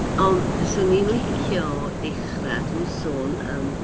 Ond 'swn i'n licio dechra drwy sôn am...